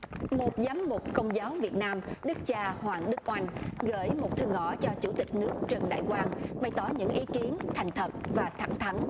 một giám mục công giáo việt nam đức cha hoàng đức oanh gởi một thư ngỏ cho chủ tịch nước trần đại quang bày tỏ những ý kiến thành thật và thẳng thắn